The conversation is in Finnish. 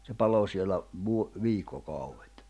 se palo siellä - viikkokaudet